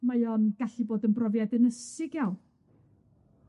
Mae o'n gallu bod yn brofiad ynysig iawn.